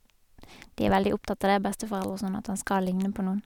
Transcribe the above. De er veldig opptatt av det, besteforeldre og sånn, at han skal ligne på noen.